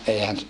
eihän